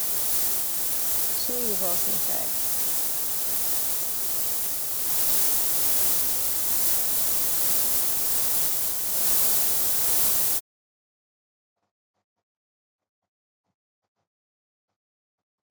Siwooyi roose kaay